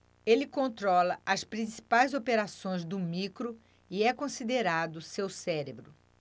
ele controla as principais operações do micro e é considerado seu cérebro